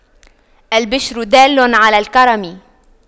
الْبِشْرَ دال على الكرم